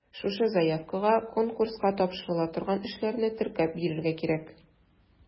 Шушы заявкага конкурска тапшырыла торган эшләрне теркәп бирергә кирәк.